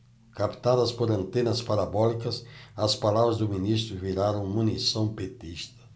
captadas por antenas parabólicas as palavras do ministro viraram munição petista